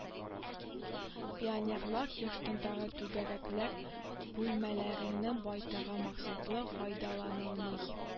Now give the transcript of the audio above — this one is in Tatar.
Пионерлар йортындагы түгәрәкләр бүлмәләренең байтагы максатлы файдаланылмый